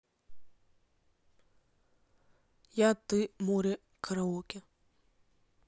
я ты море караоке